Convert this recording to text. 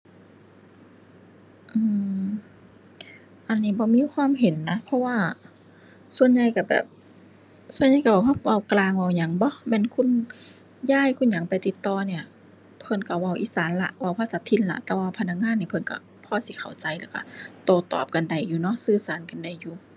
อือ อันนี้บ่มีความเห็นนะ เพราะว่าส่วนใหญ่ก็แบบ ส่วนใหญ่ก็เว้า ก็เว้ากลางเว้าหยังบ่ แม่นคุณยาย คุณหยังไปติดต่อเนี่ย เพิ่นก็เว้าอีสานล่ะ เว้าภาษาถิ่นล่ะ แต่ว่าพนักงานนี่เพิ่นก็พอสิเข้าใจ แล้วก็โต้ตอบกันได้อยู่เนาะ สื่อสารกันได้อยู่